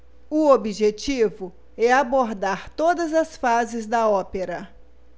o objetivo é abordar todas as fases da ópera